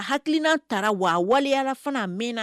A hakilinan tara wa a waleyara fana a mɛɛna